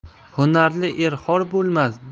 hunarli er xor bo'lmas